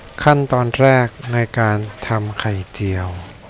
ขั้นตอนแรกในการทำไข่เจียว